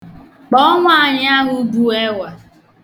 Kpọọ nwaanyị ahụ bu ẹwa.